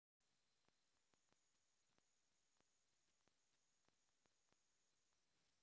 село шиля забайкальский край